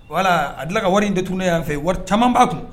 Wala! a dila ka wari detouné yan fɛ. Wari caaman b'a kun.